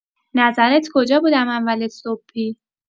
نظرت کجا بودم اول صبحی؟